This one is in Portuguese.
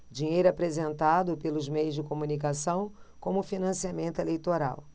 dinheiro apresentado pelos meios de comunicação como financiamento eleitoral